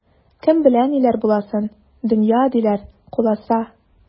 Кем белә ниләр буласын, дөнья, диләр, куласа.